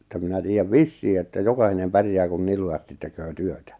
että minä tiedän vissiin että jokainen pärjää kun niin lujasti tekee työtä